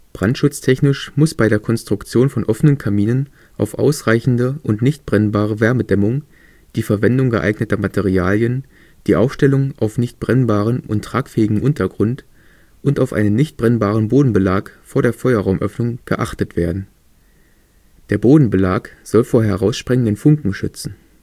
Brandschutztechnisch muss bei der Konstruktion von offenen Kaminen auf ausreichende und nichtbrennbare Wärmedämmung, die Verwendung geeigneter Materialien, die Aufstellung auf nicht brennbarem und tragfähigem Untergrund und auf einen nichtbrennbaren Bodenbelag vor der Feuerraumöffnung geachtet werden. Der Bodenbelag soll vor herausspringenden Funken schützen